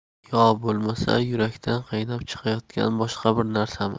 yo bo'lmasa yurakdan qaynab chiqayotgan boshqa bir narsami